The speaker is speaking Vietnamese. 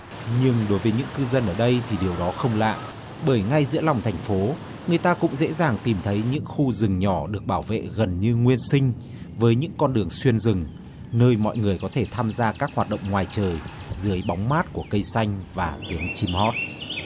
nhưng đối với những cư dân ở đây thì điều đó không lạ bởi ngay giữa lòng thành phố người ta cũng dễ dàng tìm thấy những khu rừng nhỏ được bảo vệ gần như nguyên sinh với những con đường xuyên rừng nơi mọi người có thể tham gia các hoạt động ngoài trời dưới bóng mát của cây xanh và tiếng chim hót